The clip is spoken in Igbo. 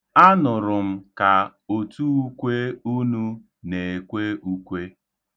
Anụrụ m ka otuukwe unu na-ekwe ukwe.